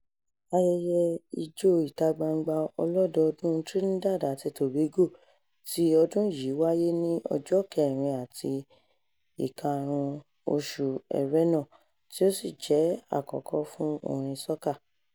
Ayẹyẹ ijó ìta-gbangba ọlọ́dọọdún Trinidad àti Tobago tí ọdún yìí wáyé ní ọjọ́ 4 àti 5 oṣù Ẹrẹ́nà, tí ó sì jẹ́ àkókò fún orin soca.